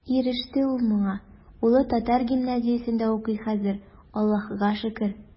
Иреште ул моңа, улы татар гимназиясендә укый хәзер, Аллаһыга шөкер.